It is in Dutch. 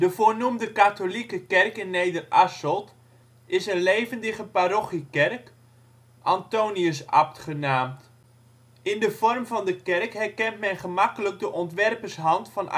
voornoemde katholieke kerk in Nederasselt is een levendige parochiekerk, Antonius-abt genaamd. In de vorm van de kerk herkent men gemakkelijk de ontwerpershand van